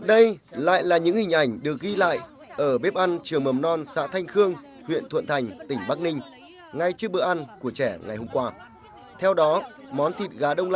đây lại là những hình ảnh được ghi lại ở bếp ăn trường mầm non xã thanh khương huyện thuận thành tỉnh bắc ninh ngay trước bữa ăn của trẻ ngày hôm qua theo đó món thịt gà đông lạnh